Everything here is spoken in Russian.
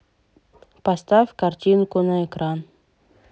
поставь картинку на экран